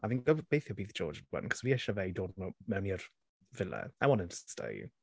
A fi'n gof- gobeithio bydd George yn the one cause fi isie fe i dod m- mewn i'r villa. I want him to stay.